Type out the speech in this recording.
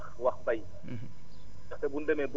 ndaxte ku ni Louga wax wax bay